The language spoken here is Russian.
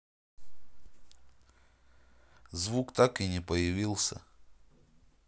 звук так и не появился